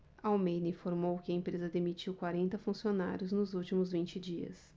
almeida informou que a empresa demitiu quarenta funcionários nos últimos vinte dias